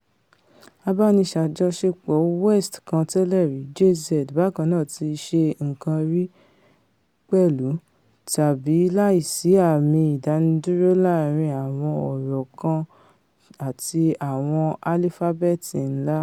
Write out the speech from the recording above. Abániṣàjọṣepọ̀ West kan tẹ́lẹ̀rí, JAY-Z, bákannáà ti ṣe nǹkan rí pẹ̀lú tàbi láìsí àmì ìdánudúró láàrin àwọn ọ̀rọ̀ kan àti àwọn álífábẹ̵́ẹ̀tì ńlá.